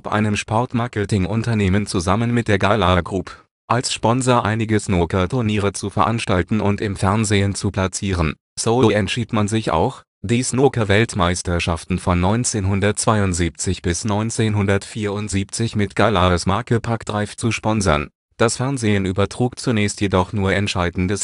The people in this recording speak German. einem Sportmarketing-Unternehmen – zusammen mit der Gallaher Group, als Sponsor einige Snookerturniere zu veranstalten und im Fernsehen zu platzieren. So entschied man sich auch, die Snookerweltmeisterschaften von 1972 bis 1974 mit Gallahers Marke Park Drive zu sponsern. Das Fernsehen übertrug zunächst jedoch nur entscheidende